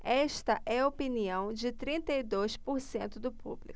esta é a opinião de trinta e dois por cento do público